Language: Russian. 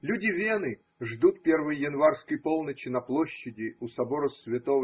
Люди Вены ждут первой январской полночи на площади у собора св.